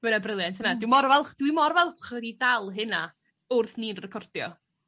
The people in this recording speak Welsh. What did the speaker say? Ma' wnna brilliant ynde? Dwi mor falch dwi mor falch chi wedi dal hynna wrth ni'n recordio.